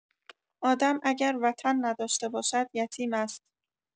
آدم اگر وطن نداشته باشد یتیم است.